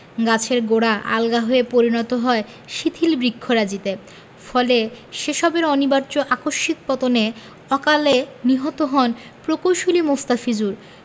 গাছের গোড়া আলগা হয়ে পরিণত হয় শিথিল বৃক্ষরাজিতে ফলে সে সবের অনিবার্য আকস্মিক পতনে অকালে নিহত হন প্রকৌশলী মোস্তাফিজুর